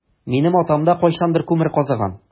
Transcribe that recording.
Минем атам да кайчандыр күмер казыган.